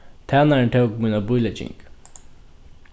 tænarin tók mína bílegging